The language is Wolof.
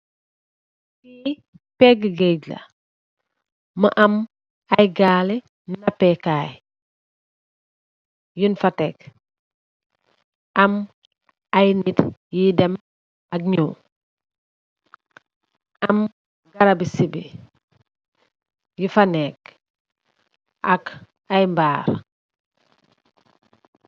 Li pegoh guage munge am aye galih napeh kai yunj fa tek am aye nit nyuy deem ak nyuw am garabi sibi yufa nekah ak aye mbarr.